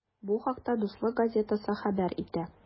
Бу хакта “Дуслык” газетасы хәбәр итә.